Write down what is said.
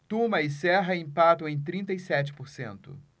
tuma e serra empatam em trinta e sete por cento